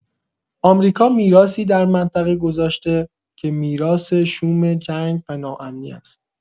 آمریکا میراثی در منطقه گذاشته که میراث شوم جنگ و ناامنی است.